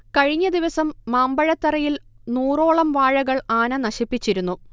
കഴിഞ്ഞദിവസം മാമ്പഴത്തറയിൽ നൂറോളം ം വാഴകൾ ആന നശിപ്പിച്ചിരുന്നു